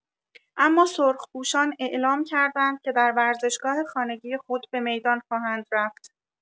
اما سرخپوشان اعلام کردند که در ورزشگاه خانگی خود به میدان خواهند رفت.